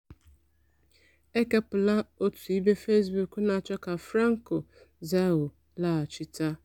Ekepụla otu ịbe Fezbuk na-achọ ka François Zahoui laghachita.